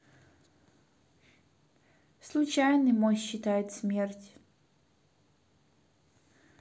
случайный мой считает смерть